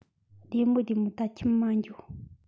བདེ མོ བདེ མོ ད ཁྱིམ མ འགྱོ